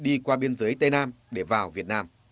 đi qua biên giới tây nam để vào việt nam